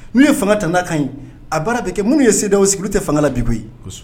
N'u ye fanga ta'kan ɲi a baara bɛ kɛ minnuu ye seda sigilen tɛ fangala bi bɔ ye